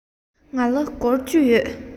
ང ལ སྒོར བཅུ ཡོད